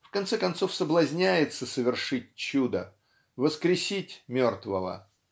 в конце концов соблазняется совершить чудо воскресить мертвого.